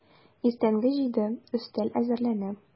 Иртәнге җиде, өстәл әзерләнә.